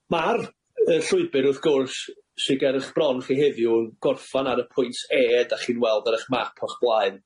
Ma'r yy llwybyr wrth gwrs sy ger 'ych bron chi heddiw yn gorffan ar y pwynt E dach chi'n weld ar 'ych map o'ch blaen,